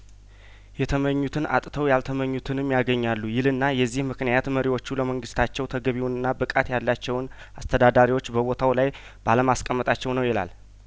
የተመኙትን አጥተው ያልተ መኙትንም ያገኛሉ ይልና የዚህ ምክንያት መሪዎቹ ለመንግስታቸው ተገቢውንና ብቃት ያላቸውን አስተዳዳሪዎች በቦታው ላይ ባለማስቀመጣቸው ነው ይላል